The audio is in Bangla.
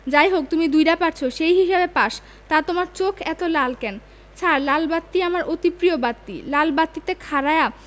যাই হোক তুমি দুইডা পারছো সেই হিসেবে পাস তা তোমার চোখ এত লাল কেন ছার লাল বাত্তি আমার অতি প্রিয় বাত্তি লাল বাত্তি তে খাড়ায়া